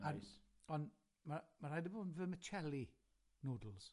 Nice. An- on' ma' ma' raid i fo' yn vermicelli noodles.